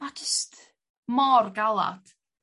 ma' j'st mor galad